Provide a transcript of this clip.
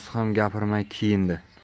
ham gapirmay kiyindi